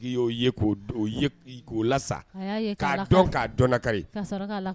I yo ye ka lasa ka dɔn ka dɔnnakari.